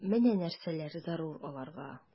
Менә нәрсәләр зарур аларга...